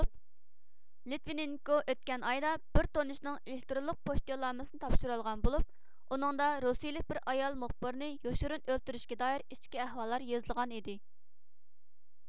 لىتۋىنېنكو ئۆتكەن ئايدا بىر تونۇشىنىڭ ئېلېكترونلۇق پوچتا يوللانمىسىنى تاپشۇرۇۋالغان بولۇپ ئۇنىڭدا رۇسىيىلىك بىر ئايال مۇخبىرنى يوشۇرۇن ئۆلتۈرۈشكە دائىر ئىچكى ئەھۋاللار يېزىلغان ئىدى